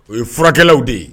O ye furakɛkɛlaw de ye